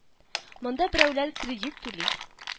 Монда берәүләр кредит түли